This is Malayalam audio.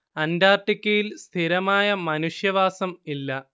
അന്റാർട്ടിക്കയിൽ സ്ഥിരമായ മനുഷ്യവാസം ഇല്ല